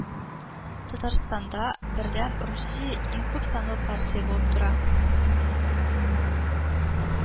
Татарстанда Бердәм Русия иң күп санлы партия булып тора